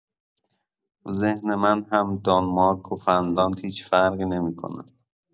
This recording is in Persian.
تو ذهن من هم دانمارک و فنلاند هیچ فرقی نمی‌کنن.